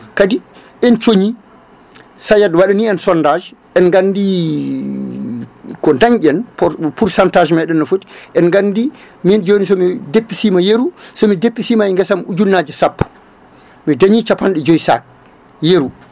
kadi en cooñi SAET waɗani en sondage en gandi ko dañɗen pourcentage meɗen no foti en gandi min joni somi deppisima yeeru somi deppisima e guesam ujunnaje sappo mi dañi capanɗe jooyi sac yeeru